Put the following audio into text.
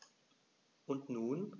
Und nun?